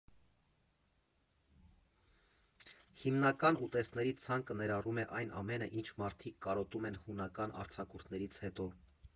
Հիմնական ուտեստների ցանկը ներառում է այն ամենը, ինչ մարդիկ կարոտում են հունական արձակուրդներից հետո.